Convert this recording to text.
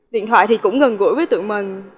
điện thoại thì cũng gần gũi với tụi mình